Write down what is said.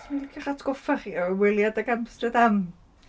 'Swn i'n licio'ch atgoffa chi o ymweliad âg Amsterdam.